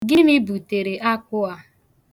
Gịnị butere akpụ a?